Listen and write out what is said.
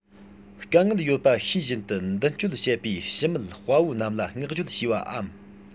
དཀའ ངལ ཡོད པ ཤེས བཞིན དུ མདུན སྐྱོད བྱེད པའི ཞུམ མེད དཔའ བོ རྣམས ལ བསྔགས བརྗོད བྱས པའམ